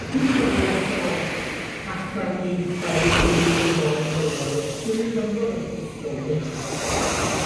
Nid cyfres o allawniaethau diwinyddol moel sydd yn yr epistol meddai